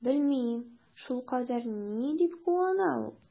Белмим, шулкадәр ни дип куана ул?